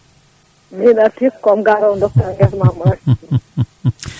min arti komi garowo dokkami guesama gooƴe